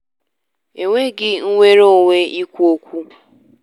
Enweghị nnwereonwe ikwu okwu.